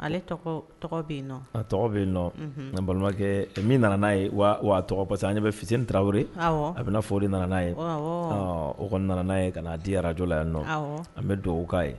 Ale bɛ yen tɔgɔ bɛ yen nɔ nka balimakɛ min nana n'a ye wa wa a tɔgɔ parce que an bɛ fi taraweleori a bɛ foli nana n'a ye o n' ye ka'a dirajla yan nɔ an bɛ dugawukan'a ye